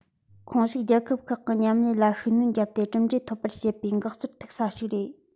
ཁོངས ཞུགས རྒྱལ ཁབ ཁག གིས མཉམ ལས ལ ཤུགས སྣོན བརྒྱབ སྟེ གྲུབ འབྲས འཐོབ པར བྱེད པའི འགག རྩར ཐུག ས ཞིག རེད